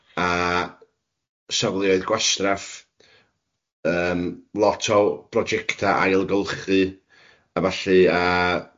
### a safleoedd gwastraff, yym lot o brojectau ailgylchu a ballu a